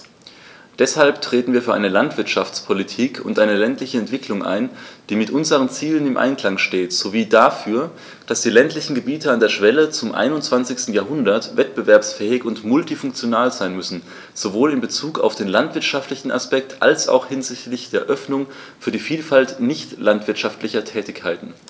Deshalb treten wir für eine Landwirtschaftspolitik und eine ländliche Entwicklung ein, die mit unseren Zielen im Einklang steht, sowie dafür, dass die ländlichen Gebiete an der Schwelle zum 21. Jahrhundert wettbewerbsfähig und multifunktional sein müssen, sowohl in bezug auf den landwirtschaftlichen Aspekt als auch hinsichtlich der Öffnung für die Vielfalt nicht landwirtschaftlicher Tätigkeiten.